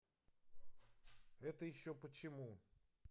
это еще почему